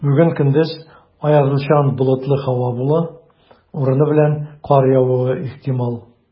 Бүген көндез аязучан болытлы һава була, урыны белән кар явуы ихтимал.